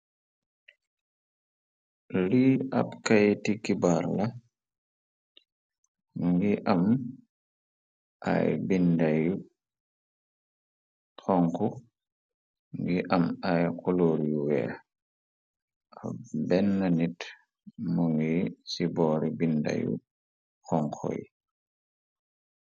Lii ab kaytiki baar la ngi am ay bindayu xonku ngi am ay xoloor yu weex ab bénn nit mu ngi ci boori bindayu xonku y.